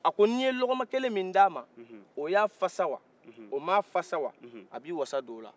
a ko ni ye lɔgɔma kelen min d'a ma o ya fa sawa o ma fa sawa a b'i waasa don ola